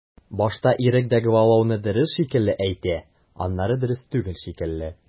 Башта ирек дәгъвалауны дөрес шикелле әйтә, аннары дөрес түгел шикелле.